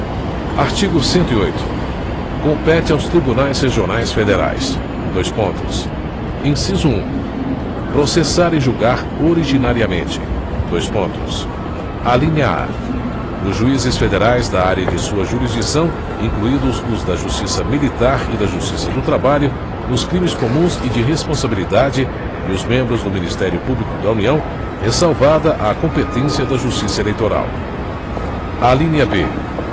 artigo cento e oito compete aos tribunais regionais federais dois pontos inciso um processar e julgar originariamente dois pontos alínea a os juízes federais da área de sua jurisdição incluídos os da justiça militar e da justiça do trabalho nos crimes comuns e de responsabilidade e os membros do ministério público da união ressalvada a competência da justiça eleitoral alínea b